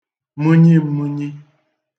mənyimənyi